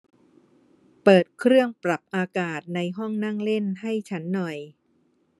เปิดเครื่องปรับอากาศในห้องนั่งเล่นให้ฉันหน่อย